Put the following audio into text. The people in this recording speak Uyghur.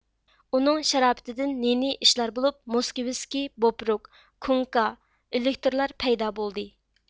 ئۇنىڭ شاراپىتىدىن نى نى ئىشلار بولۇپ موسكىۋىسكى بوبرۇك كوڭكا ئېلېكتىرلار پەيدا بولدى